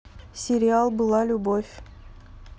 сериал была любовь